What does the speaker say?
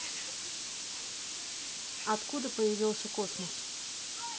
откуда появился космос